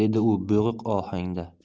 u bo'g'iq ohangda